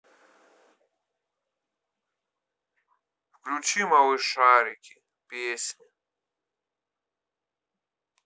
включи малышарики песни